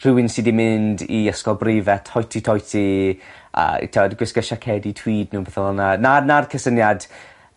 rhywun sy 'di mynd i ysgol breifat hoiti toiti a t'wod gwisgo siacedi tweed n'w pethe fel 'na 'na 'na'r cysyniad